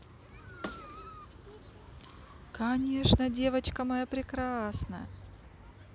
конечно девочка моя прекрасная